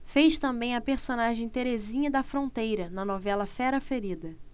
fez também a personagem terezinha da fronteira na novela fera ferida